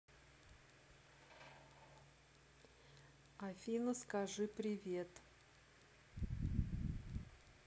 афина скажи привет